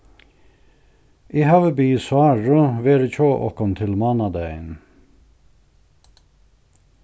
eg havi biðið sáru verið hjá okkum til mánadagin